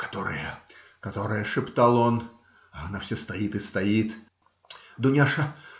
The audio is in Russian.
"- Которое, которое, - шептал он, - а она все стоит и стоит. - Дуняша!